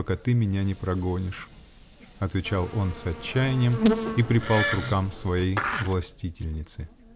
пока ты меня не прогонишь, -- отвечал он с отчаянием и припал к рукам своей властительницы.